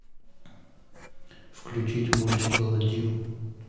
включить мультик аладдин